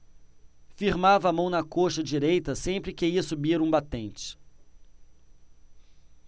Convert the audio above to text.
firmava a mão na coxa direita sempre que ia subir um batente